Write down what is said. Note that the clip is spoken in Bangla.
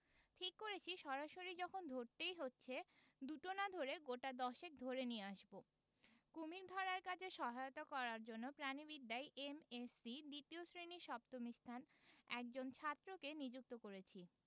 ঠিক করেছি সরাসরি যখন ধরতেই হচ্ছে দুটা না ধরে গোটা দশেক ধরে নিয়ে আসব কুমীর ধরার কাজে সহায়তা করার জন্যে প্রাণীবিদ্যায় এম এস সি দ্বিতীয় শ্রেণী সপ্তম স্থান একজন ছাত্রকে নিযুক্ত করেছি